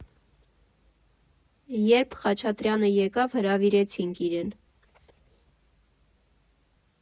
Երբ Խաչատրյանը եկավ, հրավիրեցինք իրեն։